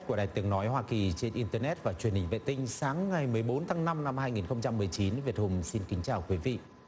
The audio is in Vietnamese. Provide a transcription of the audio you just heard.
của đài tiếng nói hoa kỳ trên in tơ nét và truyền hình vệ tinh sáng ngày mười bốn tháng năm năm hai nghìn không trăm mười chín việt hùng xin kính chào quý vị